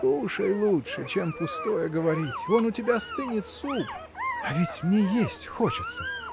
— Кушай лучше, чем пустое говорить; вон у тебя стынет суп. — А ведь мне есть хочется!